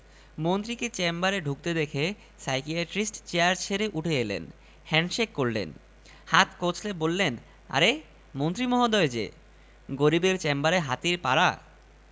তবে এরপর নানান ব্যস্ততায় তাকে ভুলেই গিয়েছিলাম কাল স্বপ্নে ওর মুখটা দেখে বুকের মধ্যে আবার কেমন কেমন যেন করে উঠল ইউরেকা বলে চিৎকার করে উঠলেন সাইকিয়াট্রিস্ট